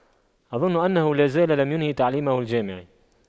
أظن أنه لا زال لم ينهي تعليمه الجامعي